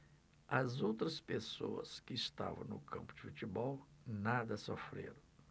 as outras pessoas que estavam no campo de futebol nada sofreram